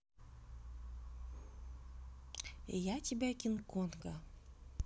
я тебя кинг конга